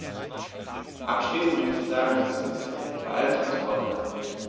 Abschließend möchte ich sagen, dass es um die Sicherheit bei allen Transportarten geht.